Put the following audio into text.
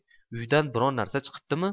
uyidan biron narsa chiqibdimi